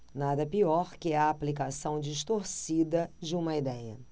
nada pior que a aplicação distorcida de uma idéia